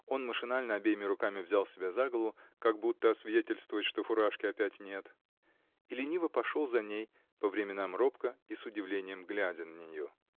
он машинально обеими руками взял себя за голову, как будто освидетельствовал, что фуражки опять нет, и лениво пошел за ней, по временам робко и с удивлением глядя на нее.